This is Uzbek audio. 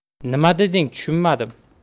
nima deding tushunmadim